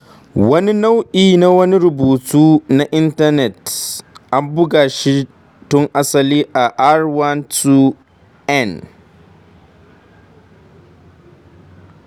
Wani nau'i na wannan rubutu na intanet an buga shi tun asali a r12n.